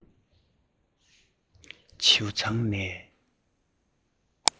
བྱེའུ ཚང ནས